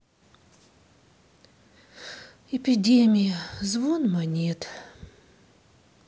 эпидемия звон монет